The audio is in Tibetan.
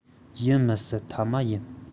ཡིན མི སྲིད མཐའ མ ཡིན